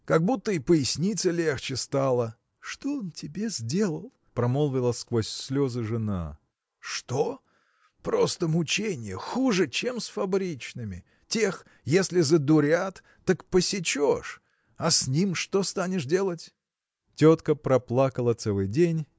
– как будто и пояснице легче стало! – Что он тебе сделал? – промолвила сквозь слезы жена. – Что? просто мученье хуже, чем с фабричными тех, если задурят, так посечешь а с ним что станешь делать? Тетка проплакала целый день